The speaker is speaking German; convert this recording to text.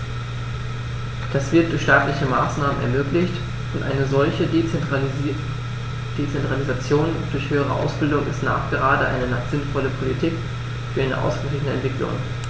Das wird durch staatliche Maßnahmen ermöglicht, und eine solche Dezentralisation der höheren Ausbildung ist nachgerade eine sinnvolle Politik für eine ausgeglichene Entwicklung.